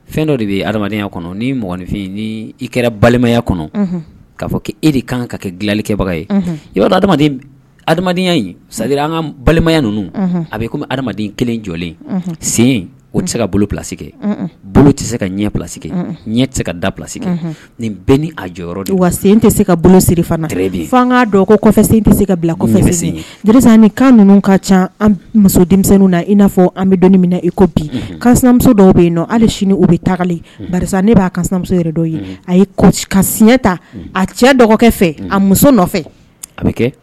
Fɛn dɔ de bɛ hadenyaya kɔnɔ ni mɔgɔnfin i kɛra balimaya kɔnɔ k'a fɔ k' e de kan ka kɛ dilanlikɛbaga ye i b'a dɔndenyaya in sa an ka balimaya ninnu a bɛ kɔmi haden kelen jɔlen sen o tɛ se ka bololase bolo tɛ se ka ɲɛ plase ɲɛ tɛ se ka da plase nin bɛn ni a jɔyɔrɔ wa sen tɛ se ka bolo siri' dɔgɔkɔ kɔfɛsen tɛ se ka bila sen ni kan ninnu ka ca an muso denmisɛnnin na i n'a fɔ an bɛ donmina na i ko bi kamuso dɔw bɛ yen hali sini u bɛ ta karisa ne b'amuso yɛrɛ ye a ka siɲɛ ta a cɛ dɔgɔ fɛ a muso nɔfɛ a bɛ kɛ